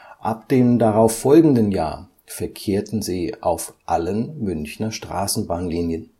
Ab dem darauffolgenden Jahr verkehren sie auf allen Münchner Straßenbahnlinien